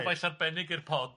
Cyfaill arbennig i'r pod.